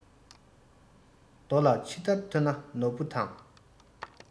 རྡོ ལ ཕྱི བདར ཐོན ན ནོར བུ དང